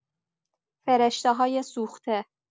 فرشته‌های سوخته